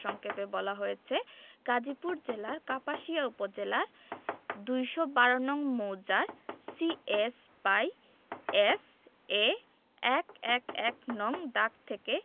মন্ত্রিসভা বৈঠকের জন্য পাঠানো সার সংক্ষেপে বলা হয়েছে গাজীপুর জেলার কাপাসিয়া উপজেলার ২১২ নং মৌজার সি এস /এস এ